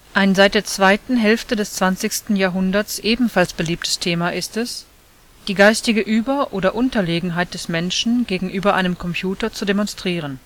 Ein seit der zweiten Hälfte des 20. Jahrhunderts ebenfalls beliebtes Thema ist es, die geistige Über - oder Unterlegenheit des Menschen gegenüber einem Computer zu demonstrieren